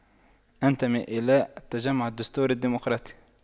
أنتمي إلى التجمع الدستوري الديمقراطي